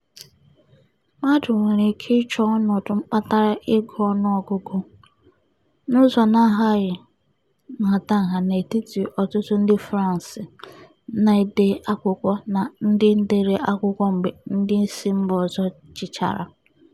Mmadụ nwere ike ịchọ ọnọdụ kpatara ịgụ ọnụọgụgụ: n'ụzọ na-ahaghị nhatanha n'etiti ọtụtụ ndị France na-ede akwụkwọ na ndị dere akwụkwọ mgbe ndị si mba ọzọ chịchara.